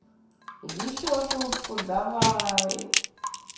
еще шутку давай